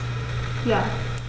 Ja.